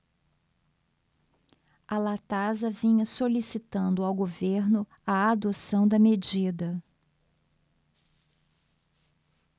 a latasa vinha solicitando ao governo a adoção da medida